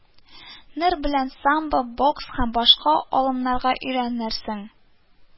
Нер белән самбо, бокс һәм башка алымнарга өйрәнерсең